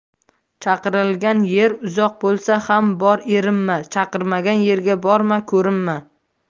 chaqirilgan yer uzoq bo'lsa ham bor erinma chaqirmagan yerga borma ko'rinma